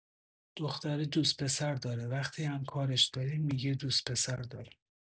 دختره دوست پسر داره وقتی هم کارش داریم می‌گه دوست پسر دارم